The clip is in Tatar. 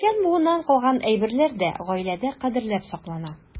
Өлкән буыннан калган әйберләр дә гаиләдә кадерләп саклана.